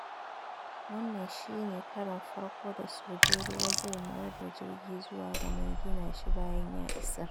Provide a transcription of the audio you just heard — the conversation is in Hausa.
Wannan shi ne karin farko da Sojin ruwa zai mayar da jirgi zuwa ga mai gina shi bayan ya isar.